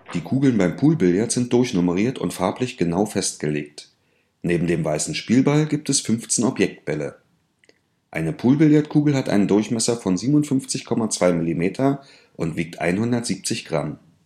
Die Kugeln beim Poolbillard sind durchnummeriert und farblich genau festgelegt. Neben dem weißen Spielball gibt es 15 Objektbälle. Eine Poolbillardkugel hat einen Durchmesser von 57,2 mm und wiegt 170 g